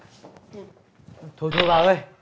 thôi thôi bà ơi